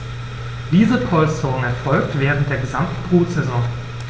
Diese Polsterung erfolgt während der gesamten Brutsaison.